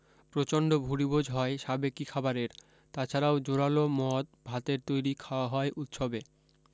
প্রচণ্ড ভুরিভোজ হয় সাবেকী খাবারের তাছাড়াও জোরালো মদ ভাতের তৈরী খাওয়া হয় উৎসবে